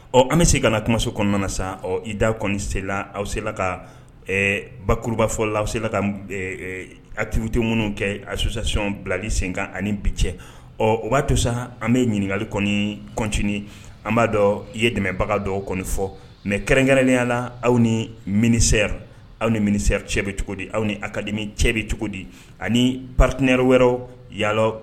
Ɔ an bɛ se kaso kɔnɔna sa ɔ da aw se ka bakurubafɔ la aw se ka atiurute minnu kɛ a susasiyɔn bilali sen kan ani bi cɛ ɔ o b'a to san an bɛ ɲininkakali kɔni cot an b'a dɔn i ye dɛmɛbagadɔ kɔni fɔ mɛ kɛrɛnkɛrɛnnenya la aw ni miniyara aw ni mini cɛ bɛ cogo di aw ni a kadimi cɛ bɛ cogo di ani patiɛ wɛrɛ yala